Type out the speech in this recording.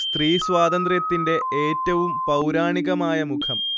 സ്ത്രീ സ്വാതന്ത്ര്യത്തിന്റെ ഏറ്റവും പൗരാണികമായ മുഖം